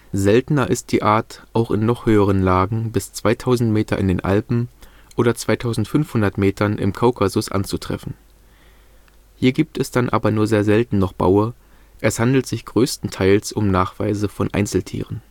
seltener ist die Art auch noch in höheren Lagen bis 2000 m in den Alpen oder 2500 m im Kaukasus anzutreffen. Hier gibt es dann aber nur sehr selten noch Baue, es handelt sich größtenteils um Nachweise von Einzeltieren